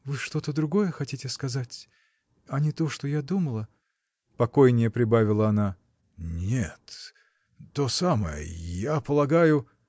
— Вы что-то другое хотите сказать, а не то, что я думала. — покойнее прибавила она. — Нет, то самое. я полагаю.